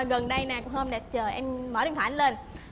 gần đây này hôm đẹp trời em mở điện thoại ảnh lên